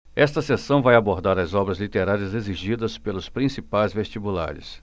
esta seção vai abordar as obras literárias exigidas pelos principais vestibulares